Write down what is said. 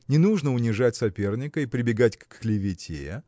Не нужно унижать соперника и прибегать к клевете